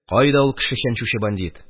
– кайда ул кеше чәнчүче бандит?